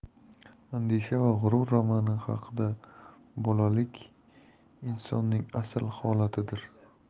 andisha va g'urur romani haqidabolalik insonning asl holatidir